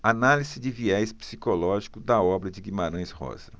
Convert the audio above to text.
análise de viés psicológico da obra de guimarães rosa